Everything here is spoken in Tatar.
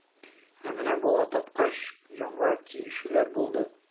Ә менә бала тапкач, җанга тиючеләр булды.